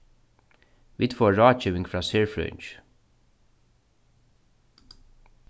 vit fáa ráðgeving frá serfrøðingi